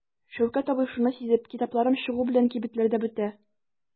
Шәүкәт абый шуны сизеп: "Китапларым чыгу белән кибетләрдә бетә".